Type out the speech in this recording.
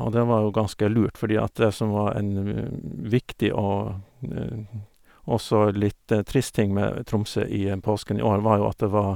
Og det var jo ganske lurt, fordi at det som var en viktig og også litt trist ting med Tromsø i påsken i år var jo at det var